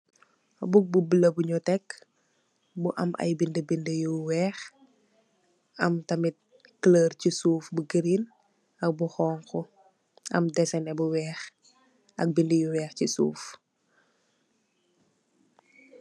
Bouk bu bulo bonu tek bu am aye binda binda yu weex am tamin koloor se suuf bu girin ak bu xonxo am desene bu weex ak bede yu weex se suuf.